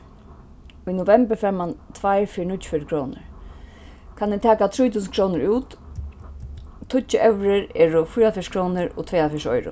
í novembur fær mann tveir fyri níggjuogfjøruti krónur kann eg taka trý túsund krónur út tíggju evrur eru fýraoghálvfjerðs krónur og tveyoghálvfjerðs oyru